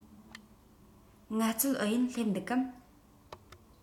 ངལ རྩོལ ཨུ ཡོན སླེབས འདུག གམ